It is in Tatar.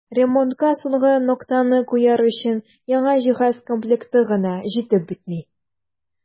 Ремонтка соңгы ноктаны куяр өчен яңа җиһаз комплекты гына җитеп бетми.